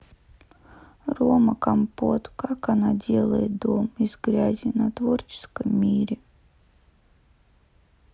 рома компот как она делает дом из грязи на творческом мире